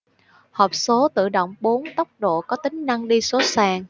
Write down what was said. hộp số tự động bốn tốc độ có tính năng đi số sàn